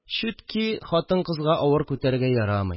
Чүтки хатын-кызга авыр күтәрергә ярамый